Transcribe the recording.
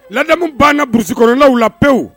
Ladamu baana burisikɔnɔnaw la pewu